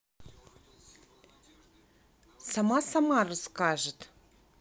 сама сама расскажет